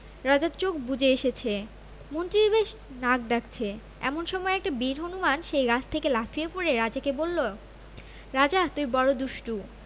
রাজার চোখ বুজে এসেছে মন্ত্রীর বেশ নাক ডাকছে এমন সময় একটা বীর হনুমান সেই গাছ থেকে লাফিয়ে পড়ে রাজাকে বললে রাজা তুই বড়ো দুষ্ট্র